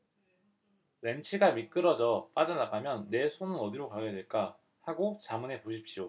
렌치가 미끄러져 빠져나가면 내 손은 어디로 가게 될까 하고 자문해 보십시오